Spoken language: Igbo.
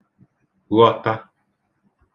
ghọta